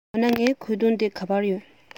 འོ ན ངའི གོས ཐུང དེ ག པར ཡོད